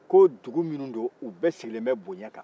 ko dugu minnu don u bɛɛ sigilen bɛ bonya kan